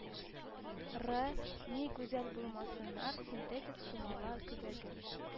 Ры, ни гүзәл булмасыннар, синтетик сумала күбеге